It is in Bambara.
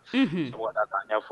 H mɔgɔda'a ɲɛ ɲɛfɔ